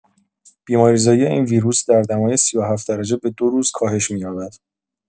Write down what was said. بیماری‌زایی این ویروس در دمای ۳۷ درجه به دو روز کاهش می‌یابد.